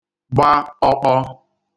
gba ọ̄kpọ̄